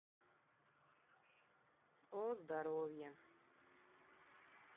о здоровье